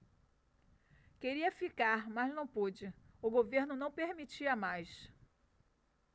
queria ficar mas não pude o governo não permitia mais